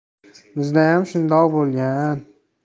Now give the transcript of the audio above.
bizdayam shundoq bo'lgan